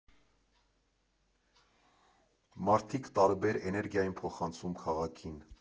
Մարդիկ տարբեր էներգիա են փոխանցում քաղաքին։